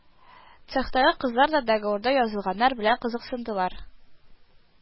Цехтагы кызлар да договорда язылганнар белән кызыксындылар: